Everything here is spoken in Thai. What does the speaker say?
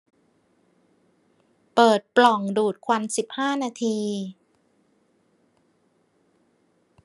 เปิดปล่องดูดควันสิบห้านาที